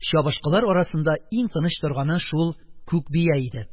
Чабышкылар арасында иң тыныч торганы шул күк бия иде.